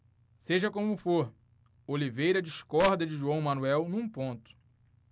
seja como for oliveira discorda de joão manuel num ponto